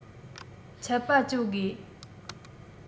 ཆད པ གཅོད དགོས